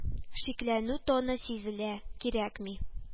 Шикләнү тоны сизелә, кирәкми